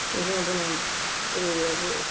Dwi'n teimlo bod hwnna'n rili obvious.